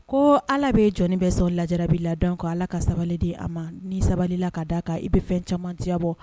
Koo Ala bee jɔnni bɛ sɔn lajarabi la donc Ala ka sabali di an' ma n'i sabali la ka d'a kan i be fɛn caman diyabɔ